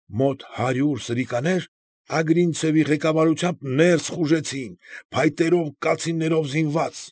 Մոտ հարյուր սրիկաներ Ագրինցևի ղեկավարությամբ ներս խուժեցին՝ փայտերով, կացիններով զինված։